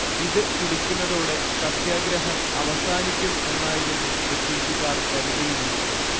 ഇത് കുടിക്കുന്നതോടെ സത്യാഗ്രഹം അവസാനിക്കും എന്നായിരുന്നു ബ്രിട്ടീഷുകാർ കരുതിയിരുന്നത്